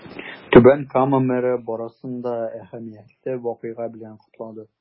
Түбән Кама мэры барысын да әһәмиятле вакыйга белән котлады.